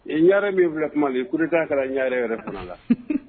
Ee ɲare min fila kuma ye kuruta ka ɲare yɛrɛ fana la